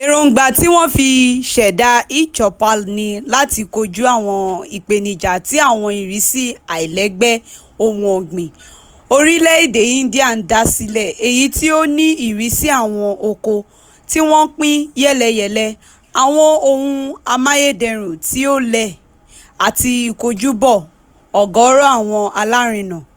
Èróńgbà tí wọ́n fi ṣẹ̀dá e Choupal ni láti kojú àwọn ìpèníjà tí àwọn ìrísí àìlẹ́gbẹ́ ohun ọ̀gbìn orílẹ̀ èdè India ń dá sílẹ̀, èyí tí ó ní ìrísí àwọn oko tí wọ́n pín yẹ́lẹyẹ̀lẹ, àwọn ohun amáyédẹrùn tí ó lẹ àti ìkojúbọ̀ ọ̀gọ̀ọ̀rọ̀ àwọn alárinà...